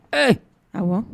Ee ɔwɔ